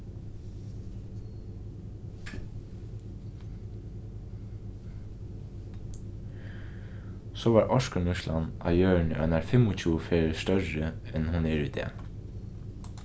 so var orkunýtslan á jørðini einar fimmogtjúgu ferðir størri enn hon er í dag